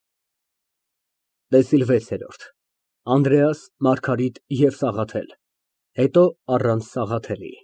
ՏԵՍԻԼ ՎԵՑԵՐՐՈՐԴ ԱՆԴՐԵԱՍ, ՄԱՐԳԱՐԻՏ ԵՎ ՍԱՂԱԹԵԼ, հետո առանց Սաղաթելի։